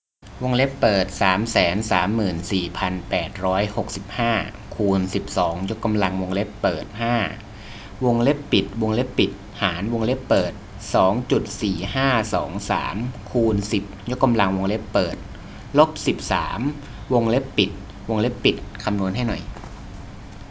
วงเล็บเปิดสามแสนสามหมื่นสี่พันแปดร้อยหกสิบห้าคูณสิบสองยกกำลังวงเล็บเปิดห้าวงเล็บปิดวงเล็บปิดหารวงเล็บเปิดสองจุดสี่ห้าสองสามคูณสิบยกกำลังวงเล็บเปิดลบสิบสามวงเล็บปิดวงเล็บปิดคำนวณให้หน่อย